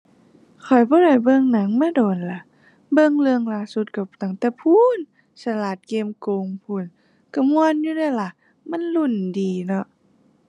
ข้อยบ่ได้เบิ่งหนังมาโดนแล้ว เบิ่งเรื่องล่าสุดก็ตั้งแต่พู้นฉลาดเกมส์โกงพู้น ก็ม่วนอยู่เดะล่ะมันลุ้นดีเนาะ